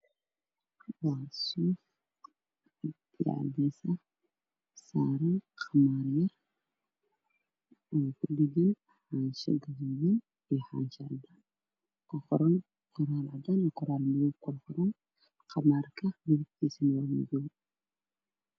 Waa saako cadeys ah saaran qamaar yar, waxaa kudhagan xaanshi gaduud ah iyo xaanshi cadaan ah waxaa kuqoran qoraal cadaan ah iyo qoraal madow ah. Qamaarka midabkiisu waa madow.